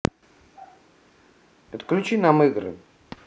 отключи нам игры